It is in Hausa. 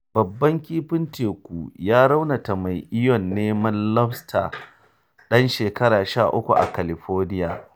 Babban kifin teku ya raunata mai iyon neman lobster ɗan shekaru 13 a California